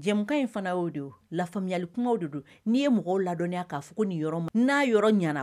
Jamukanw in fana y' o de don lafaamuyalikumaw de don n'i ye mɔgɔw ladɔnya ka fɔ ko nin yɔrɔ maɲi, n'a yɔrɔ ɲɛna